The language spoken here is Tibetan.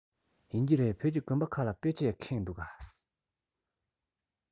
ཡིན གྱི རེད བོད ཀྱི དགོན པ ཁག ལ དཔེ ཆས ཁེངས འདུག ག